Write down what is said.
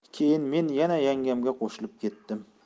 keyin men yana yangamga qo'shilib ketdim